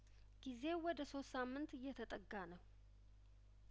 ጊዜው ወደ ሶስት ሳምንት እየተጠጋ ነው